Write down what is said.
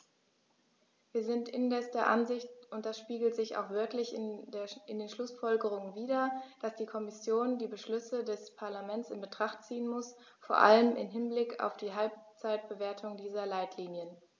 Wir sind indes der Ansicht und das spiegelt sich auch wörtlich in den Schlussfolgerungen wider, dass die Kommission die Beschlüsse dieses Parlaments in Betracht ziehen muss, vor allem im Hinblick auf die Halbzeitbewertung dieser Leitlinien.